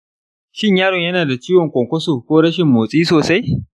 shin yaron yana da ciwon kwankwaso ko rashin motsi sosai?